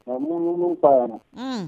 Ka munum ka